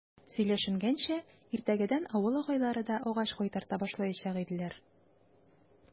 Сөйләшенгәнчә, иртәгәдән авыл агайлары да агач кайтарта башлаячак иделәр.